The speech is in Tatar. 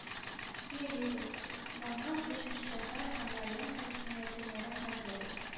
Йөрибез, моның өчен шәһәр һәм район хакимиятенә рәхмәтлебез